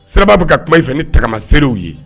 Sira bɛ ka kuma in fɛ ni tagama sew ye